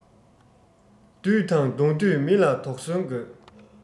བདུད དང བསྡོངས དུས མི ལ དོགས ཟོན དགོས